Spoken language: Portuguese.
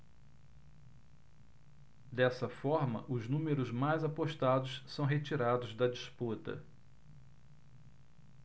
dessa forma os números mais apostados são retirados da disputa